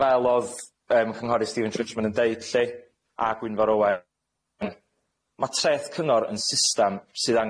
Diolch